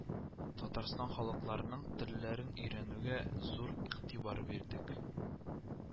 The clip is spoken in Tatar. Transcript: Татарстан халыкларының телләрен өйрәнүгә зур игътибар бирдек